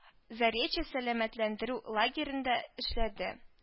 Заречья сәламәт ләндерү лагерендә эшләде